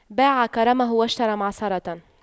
باع كرمه واشترى معصرة